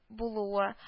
Булуы